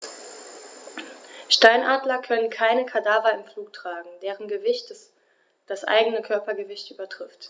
Steinadler können keine Kadaver im Flug tragen, deren Gewicht das eigene Körpergewicht übertrifft.